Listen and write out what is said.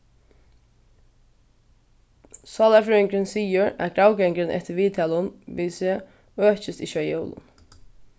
sálarfrøðingurin sigur at gravgangurin eftir viðtalum við seg økist ikki á jólum